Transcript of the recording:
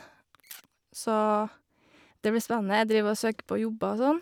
Så det blir spennende, jeg driver og søker på jobber og sånn.